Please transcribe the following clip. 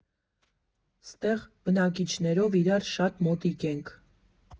«Ստեղ բնակիչներով իրար շատ մոտիկ ենք»